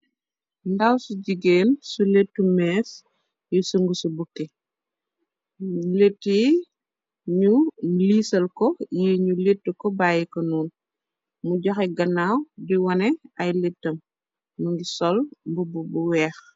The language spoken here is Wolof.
Ndaw su jigeen su lettu mees yu sungu si bukki, leti yi ñu liisal ko, yi ñu lett ko bayyi ko noon, mu joxe ganaaw di wone ay letam mu ngi sol mbubbu bu weex.